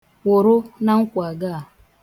Kwụrụ na nkwago a.